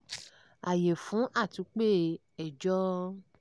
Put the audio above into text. Àyè fún àtúnpè-ẹjọ́